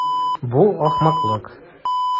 Бу ахмаклык.